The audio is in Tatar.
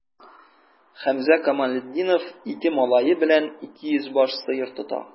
Хәмзә Камалетдинов ике малае белән 200 баш сыер тота.